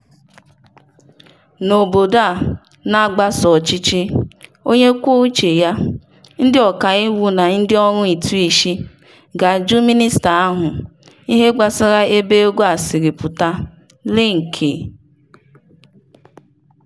N'obodo a na-agbaso ọchịchị onye kwuo uche ya, ndị ọkàiwu na ndị ọrụ ụtụisi ga-ajụ minista ahụ ihe gbasara ebe ego a siri pụta. Link